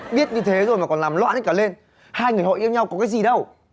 biết như thế rồi mà còn làm loạn hết cả lên hai người họ yêu nhau có cái gì đâu